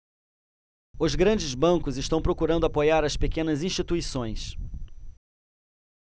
os grandes bancos estão procurando apoiar as pequenas instituições